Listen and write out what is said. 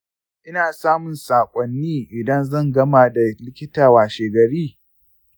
ina samun sakonnni idan zan gana da likita washe gari.